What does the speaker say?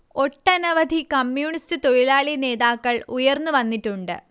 ഒട്ടനവധി കമ്യൂണിസ്റ്റ് തൊഴിലാളി നേതാക്കൾ ഉയർന്നു വന്നിട്ടുണ്ട്